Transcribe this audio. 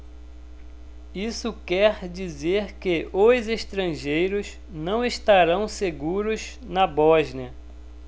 isso quer dizer que os estrangeiros não estarão seguros na bósnia